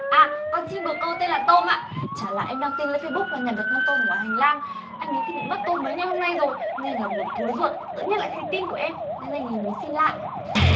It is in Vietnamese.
à con chim bồ câu tên là tôm ạ chả là em đăng tin lên phây búc là nhặt được con tôm ở ngoài hành lang anh í thì bị mất tôm mấy ngày hôm nay rồi nên là buồn thối ruột tự nhiên lại thấy tin của em nên anh í muốn xin lại